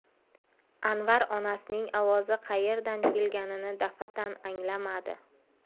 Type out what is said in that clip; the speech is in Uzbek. anvar onasining ovozi qaerdan kelganini daf'atan anglamadi